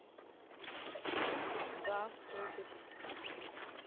да будет